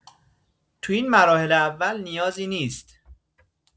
تو این مراحل اول نیازی نیست؟